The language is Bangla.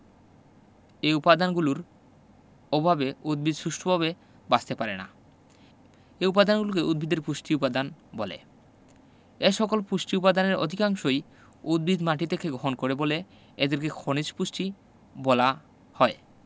এ উপাদানগুলোর অভাবে উদ্ভিদ সুষ্ঠুভাবে বাঁচতে পারে না এ উপাদানগুলোকে উদ্ভিদের পুষ্টি উপাদান বলে এসকল পুষ্টি উপাদানের অধিকাংশই উদ্ভিদ মাটি থেকে গহন করে বলে এদেরকে খনিজ পুষ্টি বলা হয়